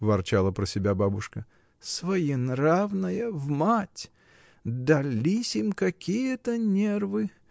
— ворчала про себя бабушка, — своенравная — в мать! Дались им какие-то нервы!